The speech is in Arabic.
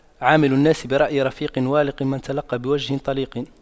عامل الناس برأي رفيق والق من تلقى بوجه طليق